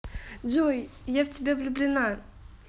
джой я в тебя влюблена